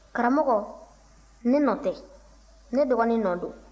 karamɔgɔ ne nɔ tɛ ne dɔgɔnin nɔ don